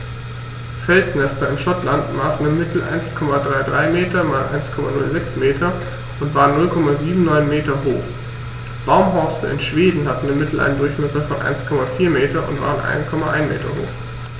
Felsnester in Schottland maßen im Mittel 1,33 m x 1,06 m und waren 0,79 m hoch, Baumhorste in Schweden hatten im Mittel einen Durchmesser von 1,4 m und waren 1,1 m hoch.